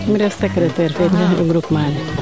mi ref secretaire fee groupement le